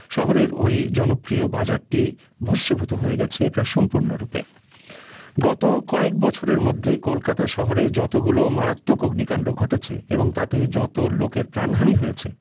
শহরের ওই জনপ্রিয় বাজারটি ভস্মীভূত হয়ে গেছে প্রায় সম্পূর্ণরূপে গত কয়েক বছরের মধ্যে কলকাতায় শহরে যতগুলো মারাত্মক অগ্নিকাণ্ড ঘটেছে এবং তাতে যত লোকের প্রাণহানি হয়েছে